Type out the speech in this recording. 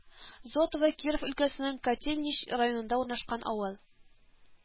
Зотовы Киров өлкәсенең Котельнич районында урнашкан авыл